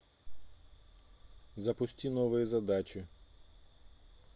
запусти новые задачи